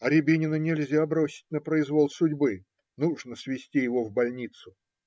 А Рябинина нельзя бросить на произвол судьбы; нужно свезти его в больницу.